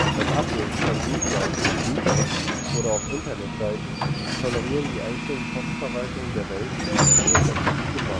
Das Abbilden von Briefmarken in Büchern oder auf Internetseiten tolerieren die einzelnen Postverwaltungen der Welt in unterschiedlichem